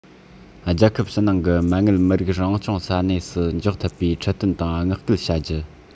རྒྱལ ཁབ ཕྱི ནང གི མ དངུལ མི རིགས རང སྐྱོང ས གནས སུ འཇོག ཐུབ པའི ཁྲིད སྟོན དང བསྔགས བསྐུལ བྱ རྒྱུ